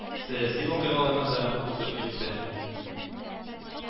Сәяси вакыйгаларны да узып китте